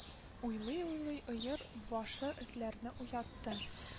Уйлый-уйлый Өер башы этләрне уятты